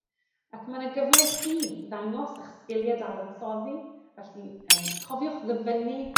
Ac ma' 'na gyfle i chi ddangos 'ych sgilie dadansoddi felly yym cofiwch ddyfynnu,